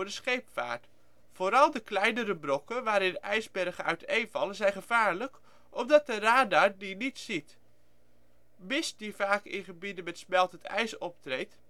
scheepvaart. Vooral de kleinere brokken waarin ijsbergen uiteenvallen zijn gevaarlijk, omdat de radar die niet ziet. Mist die vaak in gebieden met smeltend ijs optreedt